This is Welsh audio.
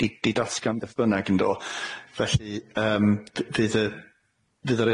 'di 'di datgan beth bynnag yndo felly yym d- fydd y fydd yr